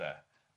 'De?